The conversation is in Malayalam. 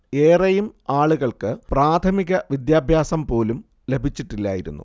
ഏറെയും ആളുകൾക്ക് പ്രാഥമിക വിദ്യാഭ്യാസം പോലും ലഭിച്ചിട്ടില്ലായിരുന്നു